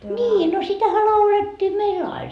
niin no sitähän laulettiin meillä aina